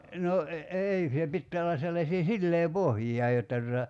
no no - ei se pitää olla sellaisia sileäpohjia jotta tuota